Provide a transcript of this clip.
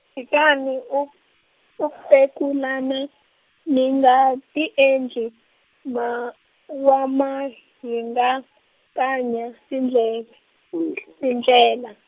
tshikani u ku pekulana, mi nga tiendli, ma- wamahingakanya tindleve, tindlela.